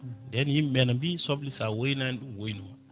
nden yimɓeɓe ne mbi soble sa woynani ɗum woynuma